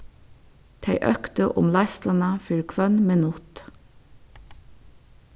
tey øktu um leiðsluna fyri hvønn minutt